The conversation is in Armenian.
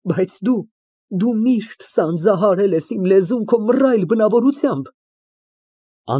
Բայց դու… դու միշտ սանձահարել ես իմ լեզուն քո մռայլ բնավորությամբ։